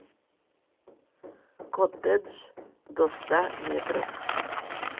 коттедж до ста метров